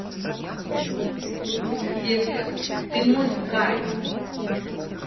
детка ты мой кайф